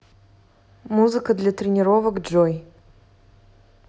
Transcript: музыка для тренировок джой